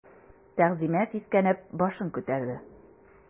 Тәгъзимә сискәнеп башын күтәрде.